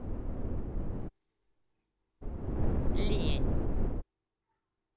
лень